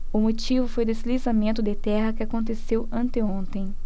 o motivo foi o deslizamento de terra que aconteceu anteontem